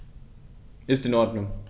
Ist in Ordnung.